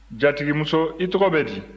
jatigimuso i tɔgɔ bɛ di